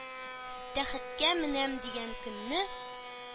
Тәхеткә менәм дигән көнне,